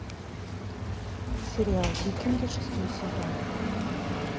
сериал викинги шестой сезон